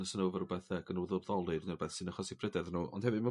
fysa nhw efo rwbath yy gyn nhw rhw ddolir ne' wbeth sy'n achosi pryder i nhw ond hefyd mor